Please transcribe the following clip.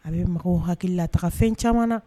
A bɛ mago hakilila taga fɛn caman na